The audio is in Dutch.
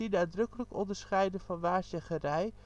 nadrukkelijk onderscheiden van waarzeggerij